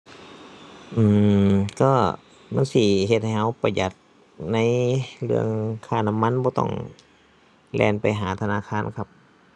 อือ ก็ มันสิเฮ็ดให้เราประหยัดในเรื่องค่าน้ำมัน บ่ต้องแล่นไปหาธนาคารครับ